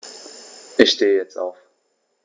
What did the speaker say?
Ich stehe jetzt auf.